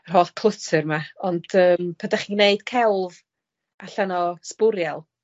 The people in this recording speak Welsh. yr holl clutter 'ma, ond yym pan dach chi'n neud celf allan o sbwriel,